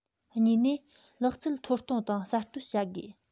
གཉིས ནས ལག རྩལ མཐོར གཏོང དང གསར གཏོད བྱ དགོས